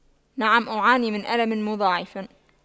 نعم أعاني من ألم مضاعف